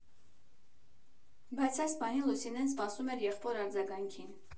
Բայց այս պահին Լուսինեն սպասում էր եղբոր արձագանքին։